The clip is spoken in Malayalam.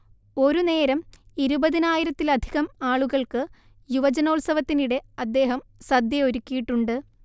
ഒരുനേരം ഇരുപതിനായിരത്തിലധികം ആളുകൾക്ക് യുവജനോത്സവത്തിനിടെ അദ്ദേഹം സദ്യയൊരുക്കിയിട്ടുണ്ട്